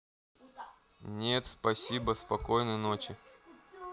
нет спасибо спокойной ночи